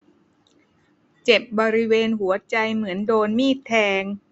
เจ็บบริเวณหัวใจเหมือนโดนมีดแทง